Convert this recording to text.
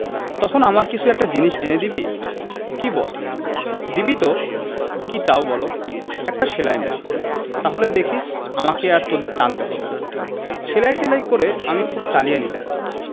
তখন আমার কিছু একটা জিনিস এনে দিবি কি বলো দিবি তো কি চাও বলো একটা সেলাই মেশিন তাহলে দেখিস আমাকে আর তোদের টানতে হবে না সেলাই টেলাই করে আমি খুব চালিয়ে নিতে পারব